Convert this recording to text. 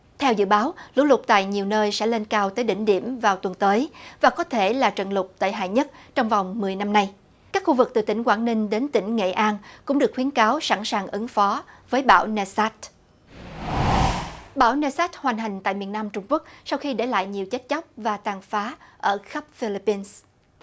theo dự báo lũ lụt tại nhiều nơi sẽ lên cao tới đỉnh điểm vào tuần tới và có thể là trận lụt tệ hại nhất trong vòng mười năm nay các khu vực từ tỉnh quảng ninh đến tỉnh nghệ an cũng được khuyến cáo sẵn sàng ứng phó với bão ne sát bão ne sát hoành hành tại miền nam trung quốc sau khi để lại nhiều chết chóc và tàn phá ở khắp phê líp pin